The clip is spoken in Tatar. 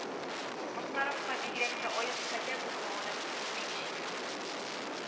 Мохтаровка, бигрәк тә аек хәлдә, бу һавада утыру бик читен булды